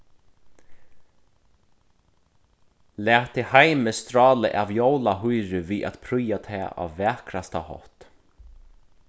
latið heimið strála av jólahýri við at prýða tað á vakrasta hátt